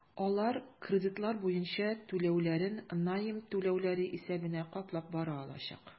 Алар кредитлар буенча түләүләрен найм түләүләре исәбенә каплап бара алачак.